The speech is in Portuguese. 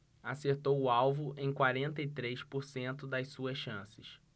acertou o alvo em quarenta e três por cento das suas chances